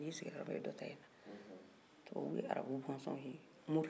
n'otɛ olu ye arabu bɔnsɔn ye morisiw de don walijusiw